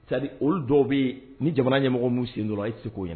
Sa olu dɔ bɛ yen ni jamana ɲɛmɔgɔ min sen dɔrɔn i tɛ se k'o ɲɛna